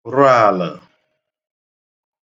rụ alə̣